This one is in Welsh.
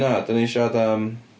Na, dan ni'n siarad am...